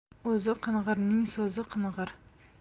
o'zi qing'irning so'zi qing'ir